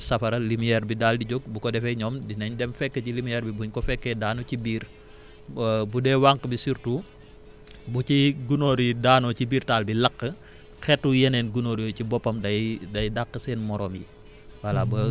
boo taalee safara lumière bi daal di jóg bu ko defee ñoom dinañ dem fekki ji lumière bi buñ ko fekkee daanu ci biir bu dee wànq bi surtout bu ci gunóor yi daanoo ci biir taal bi lakk xetu yeneen gunóor yooyu ci boppam day day dàq seen morom yi